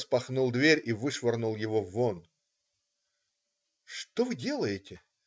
распахнул дверь и вышвырнул его вон. "Что вы делаете?